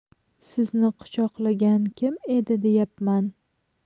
sizni quchoqlagan kim edi deyapman